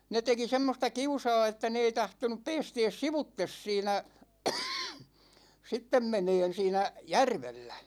ne teki semmoista kiusaa että ne ei tahtonut päästää sivuitse siinä sitten menemään siinä järvellä